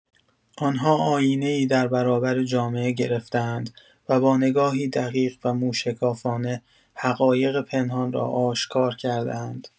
آن‌ها آیینه‌ای در برابر جامعه گرفته‌اند و با نگاهی دقیق و موشکافانه، حقایق پنهان را آشکار کرده‌اند.